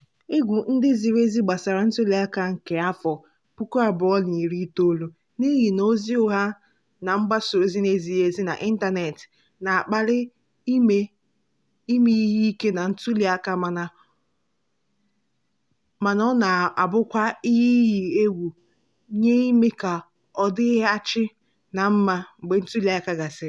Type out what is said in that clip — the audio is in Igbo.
Egwu ndị ziri ezi gbasara ntụliaka nke afọ 2019 n'ihi na ozi ụgha na mgbasa ozi n'ezighi ezi n'ịntaneetị na-akpali ime ihe ike na ntụliaka mana ọ na-abụkwa "ihe iyi egwu nye ime ka a dịghachi ná mma mgbe ntụliaka gasịrị".